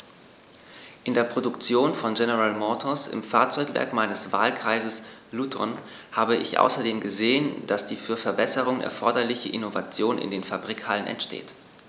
In der Produktion von General Motors, im Fahrzeugwerk meines Wahlkreises Luton, habe ich außerdem gesehen, dass die für Verbesserungen erforderliche Innovation in den Fabrikhallen entsteht.